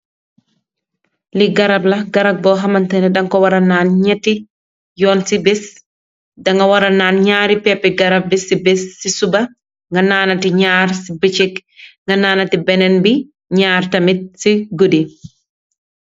Lii garab la, garag boo xamantene danko wara naan ñetti yoon ci bés. Danga wara naan ñaari peppi garab lis ci bés, ci suba. Nga naanati ñaar ci beccik, nga naanati beneen bi, ñaar tamit ci guddi